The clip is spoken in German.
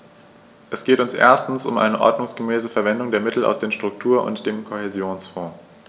Es geht uns erstens um eine ordnungsgemäße Verwendung der Mittel aus den Struktur- und dem Kohäsionsfonds.